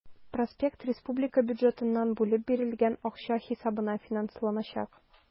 Проект республика бюджетыннан бүлеп бирелгән акча хисабына финансланачак.